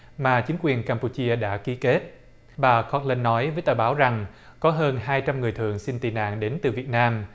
mà chính quyền cam pu chia đã ký kết bà coóc lưn nói với tờ báo rằng có hơn hai trăm người thường xin tị nạn đến từ việt nam